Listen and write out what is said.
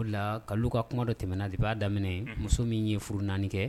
O de la, Kalilu ka kuma dɔ tɛmɛnna depuis a daminɛ muso min ye furu 4 kɛ